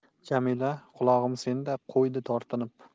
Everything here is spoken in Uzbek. jamila qulog'im senda qo'ydi tortinib